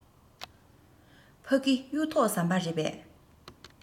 ཕ གི གཡུ ཐོག ཟམ པ རེད པས